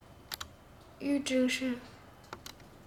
ཡུས ཀྲེང ཧྲེང